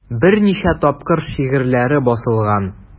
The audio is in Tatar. Берничә тапкыр шигырьләре басылган.